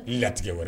N katigɛ wɛrɛ